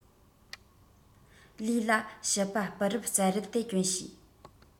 ལུས ལ ཕྱུ པ སྤུ རུབ རྩབ རལ དེ གྱོན བྱས